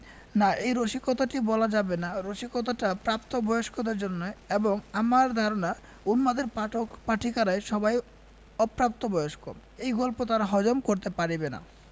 না এই রসিকতাটি বলা যাবে না রসিকতাটা প্রাত বয়স্কদের জন্যে এবং অমির ধারণা উন্মাদের পাঠক পাঠিকারা সবাই অপ্রাতবয়স্ক এই গল্প তারা হজম করতে পারিবে না